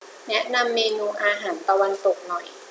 แนะนำเมนูอาหารตะวันตกหน่อย